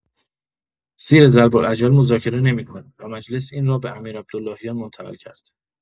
زیر ضرب‌الاجل مذاکره نمی‌کنیم و مجلس این را به امیرعبداللهیان منتقل کرد.